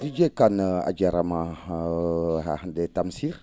Dj Kane a jaaraama haa hannde Tamsir